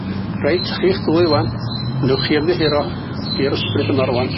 Reit ta chi'ch ddwy ŵan newch chi ymddiheuro i'r ysbryd yma rŵan